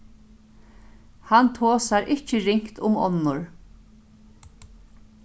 hann tosar ikki ringt um onnur